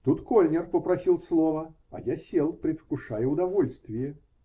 Тут Кольнер попросил слова, а я сел, предвкушая удовольствие.